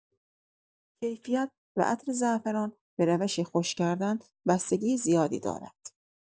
کیفیت و عطر زعفران به روش خشک‌کردن بستگی زیادی دارد.